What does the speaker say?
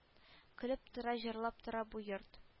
Көлеп тора җырлап тора бу йорт